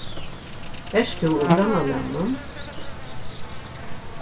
ert tú úr grannalagnum